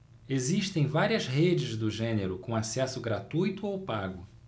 existem várias redes do gênero com acesso gratuito ou pago